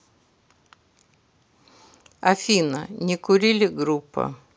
афина не kurili группа